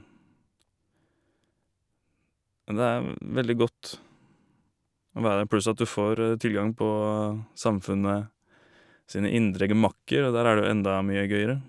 Og det er veldig godt å være der, pluss at du får tilgang på Samfundet sine indre gemakker, og der er det jo enda mye gøyere.